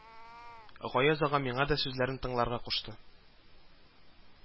Гаяз ага миңа да сүзләрен тыңларга кушты